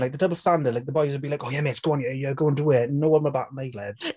Like, the double standard, like, the boys would be like, "Oh, yeah mate, go on yeah, do it." No one would bat an eyelid.